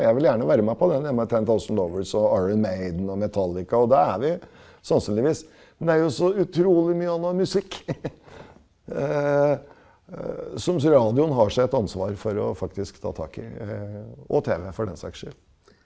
jeg vil gjerne være med på den jeg med Ten Thousand Lovers og Iron Maiden og Metallica og det er vi sannsynligvis, men det er jo også utrolig mye anna musikk som så radioen har et ansvar for å faktisk ta tak i og tv for den saks skyld.